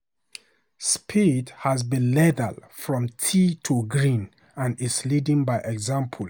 Spieth has been lethal from tee to green and is leading by example.